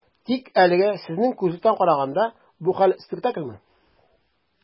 Тик әлегә, сезнең күзлектән караганда, бу хәл - спектакльмы?